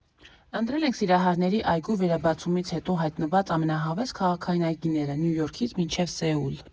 Ընտրել ենք Սիրահարների այգու վերաբացումից հետո հայտնված ամենահավես քաղաքային այգիները՝ Նյու Յորքից մինչև Սեուլ։